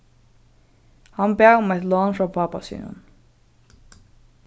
hann bað um eitt lán frá pápa sínum